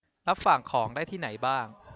รับฝากของได้ที่ไหนบ้าง